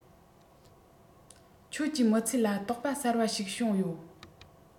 ཁྱོད ཀྱིས མི ཚེ ལ རྟོག པ གསར པ ཞིག བྱུང ཡོད